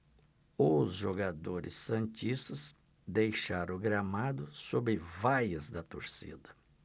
os jogadores santistas deixaram o gramado sob vaias da torcida